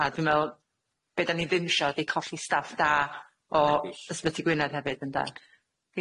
A dwi me'wl be da ni ddim isio ydi colli staff da o Ysbyty Gwynedd hefyd ynde? Ia.